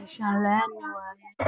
Meeshaan waa meel laami ah oo